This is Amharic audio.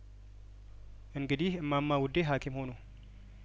እንግዲህ እማማ ውዴ ሀኪም ሆኑ